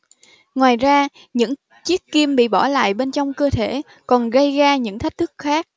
ngoài ra những chiếc kim bị bỏ lại bên trong cơ thể còn gây ra những thách thức khác